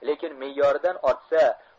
lekin me'yoridan ortsa